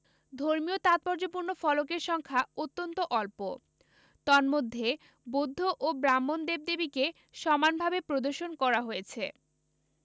ধর্মীয় তাৎপর্যপূর্ণ ফলকের সংখ্যা অত্যন্ত অল্প তন্মধ্যে বৌদ্ধ ও ব্রাক্ষ্মণ দেবদেবীকে সমানভাবে প্রদর্শন করা হয়েছে